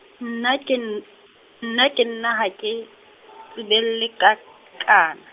nna ke nn-, nna ke nna ha ke , tsebe lle ka, kana.